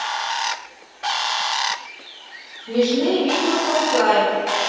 смешные видео с попугаем